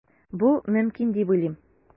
Бу мөмкин дип уйлыйм.